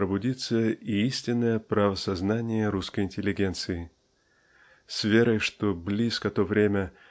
пробудиться неистинное правосознание русской интеллигенции. С верой что близко то время